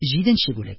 Җиденче бүлек